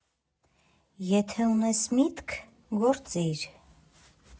Եթե ունես միտք, գործիր։